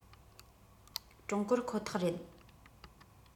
ཀྲུང གོར ཁོ ཐག རེད